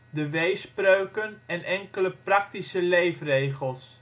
de weespreuken en enkele praktische leefregels